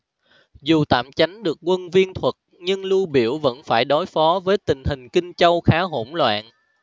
dù tạm tránh được quân viên thuật nhưng lưu biểu vẫn phải đối phó với tình hình kinh châu khá hỗn loạn